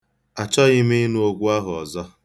Achọghị m ịnụ okwu ahụ ọzọ.